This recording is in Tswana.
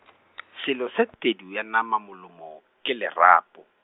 selo se tedu ya nama molomo, ke lerapo.